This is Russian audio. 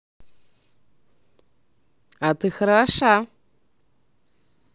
а ты хороша